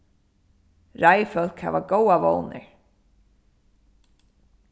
reiðfólk hava góðar vónir